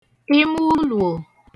imuluo